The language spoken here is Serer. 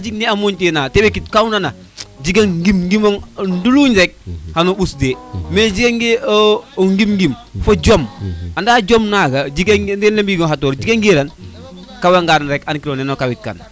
ka jig ne mooñte na te ɓekin kaw tana jegan ŋimo ɗuluñ rek xano mbos ɗu te mais jega nge o ŋim ŋim fo jom ana jom naga jegaten i leyu xatoor o jega ngiran kawa ngaan rek an kiro neno kawit kan